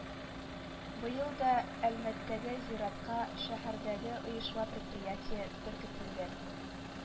Быел да Әлмәттәге зиратка шәһәрдәге оешма-предприятие беркетелгән